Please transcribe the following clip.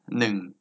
หนึ่ง